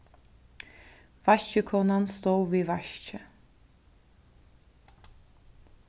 vaskikonan stóð við vaskið